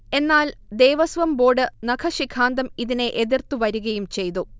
എന്നാൽ, ദേവസ്വം ബോർഡ് നഖശിഖാന്തം ഇതിനെ എതിർത്തു വരികയും ചെയ്തു